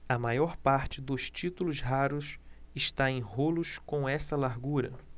a maior parte dos títulos raros está em rolos com essa largura